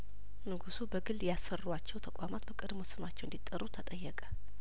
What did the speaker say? ንጉሱ በግል ያሰሯቸው ተቋማት በቀድሞ ስማቸው እንዲጠሩ ተጠየቀ